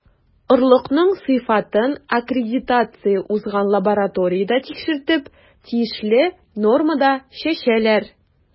Орлыкның сыйфатын аккредитация узган лабораториядә тикшертеп, тиешле нормада чәчәләр.